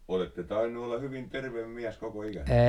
olette tainnut olla hyvin terve mies koko ikänne